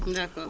d' accord